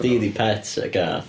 Chdi 'di pet y gath.